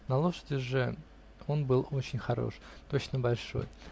На лошади же он был очень хорош -- точно большой.